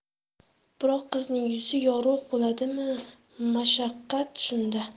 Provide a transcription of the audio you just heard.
biroq qizining yuzi yorug' bo'ladimi mashaqqat shunda